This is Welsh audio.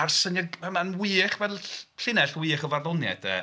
A'r syniad yma'n wych. Mae'n llinell wych o farddoniaeth de.